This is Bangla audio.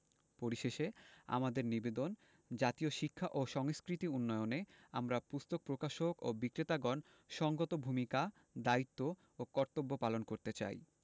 পরিশেষে আমাদের নিবেদন জাতীয় শিক্ষা ও সংস্কৃতি উন্নয়নে আমরা পুস্তক প্রকাশক ও বিক্রেতাগণ সঙ্গত ভূমিকা দায়িত্ব ও কর্তব্য পালন করতে চাই